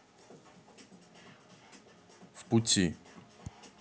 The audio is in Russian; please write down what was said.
в пути